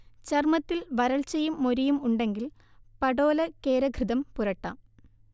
ചർമത്തിൽ വരൾച്ചയും മൊരിയും ഉണ്ടെങ്കിൽ പടോലകേരഘൃതം പുരട്ടാം